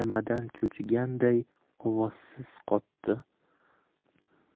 nimadan cho'chiganday ovozsiz qotdi